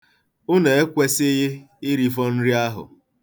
Unu ekwesịghị irifo nri ahụ.